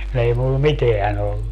kun ei minulla mitään ollut